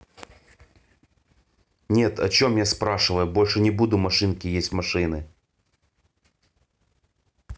нет о чем я спрашиваю больше не буду машинки есть машины